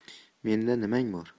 menda nimang bor